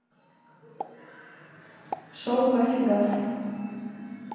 шоу гаффи гаф